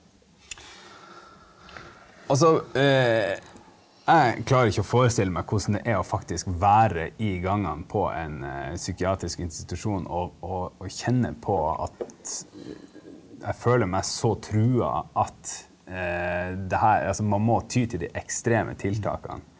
altså jeg klarer ikke å forestille meg hvordan det er å faktisk være i gangene på en psykiatrisk institusjon og og og kjenne på at jeg føler meg så trua at det her altså man må ty til de ekstreme tiltakene.